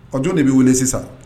Ɔ jɔn de b'i wele sisan